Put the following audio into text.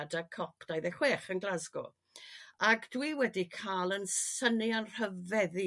adag Cop dau ddeg chwech yn Glasgo. Ag dwi wedi ca'l 'yn synnu a'n rhyfeddu